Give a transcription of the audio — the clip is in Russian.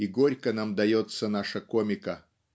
И горько нам дается ноша комика.